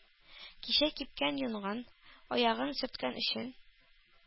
.кичә, кипкән йонга аягын сөрткән өчен,